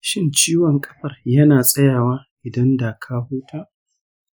shin ciwon ƙafar yana tsayawa idan da ka huta?